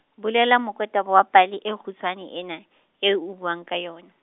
bolela mokotaba wa pale e kgutshwane ena , eo o buang ka yona.